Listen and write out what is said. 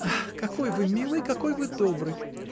— Ах, какой вы милый, какой вы добрый!